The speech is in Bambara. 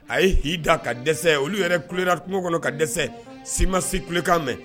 A ye h da ka dɛsɛ olu yɛrɛ kuna kungo kɔnɔ ka dɛsɛ si ma si kulekan mɛn